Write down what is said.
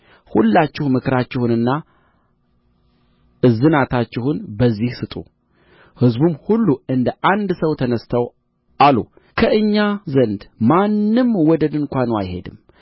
ሁላችሁ ምክራችሁንና እዝናታችሁን በዚህ ስጡ ሕዝቡም ሁሉ እንደ አንድ ሰው ተነሥተው አሉ ከእኛ ዘንድ ማንም ወደ ድንኳኑ አይሄድም